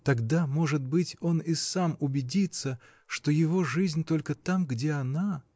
тогда, может быть, он и сам убедится, что его жизнь только там, где она.